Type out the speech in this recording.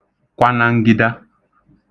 kwanangida